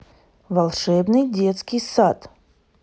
волшебный детский сад